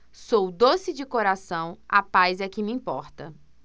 sou doce de coração a paz é que me importa